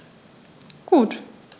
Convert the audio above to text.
Gut.